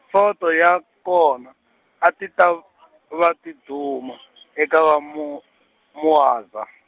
soto ya kona, a ti ta v- , va tiduma, eka va Mu- Mauzer.